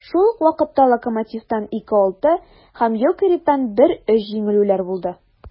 Шул ук вакытта "Локомотив"тан (2:6) һәм "Йокерит"тан (1:3) җиңелүләр булды.